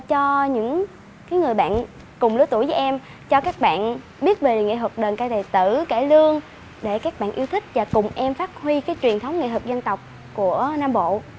cho những cái người bạn cùng lứa tuổi với em cho các bạn biết về nghệ thuật đờn ca tài tử cải lương để các bạn yêu thích và cùng em phát huy cái truyền thống nghệ thuật dân tộc của nam bộ